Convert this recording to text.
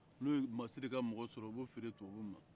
n'o ye masire ka mɔgɔ sɔrɔ o b'o feere tubabuw ma